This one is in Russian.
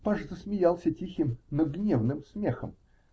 Паж засмеялся тихим, но гневным смехом.